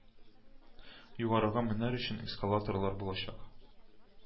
Югарыга менәр өчен эскалаторлар булачак